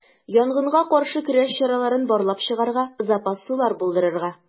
Янгынга каршы көрәш чараларын барлап чыгарга, запас сулар булдырырга.